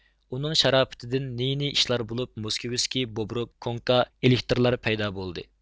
ئۇنىڭ شاراپىتىدىن نى نى ئىشلار بولۇپ موسكىۋىسكى بوبرۇك كوڭكا ئېلېكتىرلار پەيدا بولدى